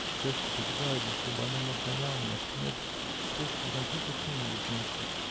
сказать, что погибаю один, чтоб она не отгоняла меня, что нет средства узнать хоть какую-нибудь женщину